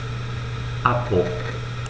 Abbruch.